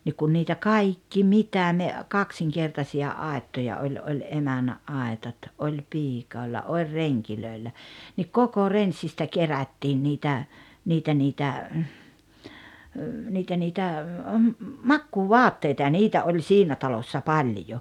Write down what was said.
niin kun niitä kaikki mitä ne kaksinkertaisia aittoja oli oli emännän aitat oli - piioilla oli rengeillä niin koko renssistä kerättiin niitä niitä niitä niitä niitä makuuvaatteita ja niitä oli siinä talossa paljon